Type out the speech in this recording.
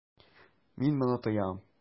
Мин моны тоям.